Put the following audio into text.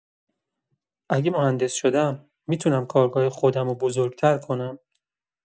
اگه مهندس شدم، می‌تونم کارگاه خودمو بزرگ‌تر کنم؟